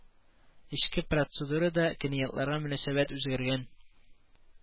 Эчке процедурада клиентларга мөнәсәбәт үзгәргән